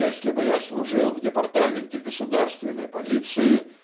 Если бы я служил в департаменте государственной полиции